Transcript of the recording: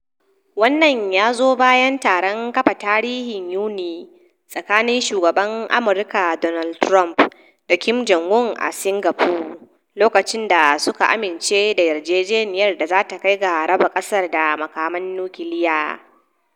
Wannan ya zo bayan taron kafa tarihi Yuni tsakanin shugaban Amurka Donald Trump da Kim Jong-un a Singapore, lokacin da suka amince da yarjejeniyar da za ta kai ga raba kasar da makaman nukiliya.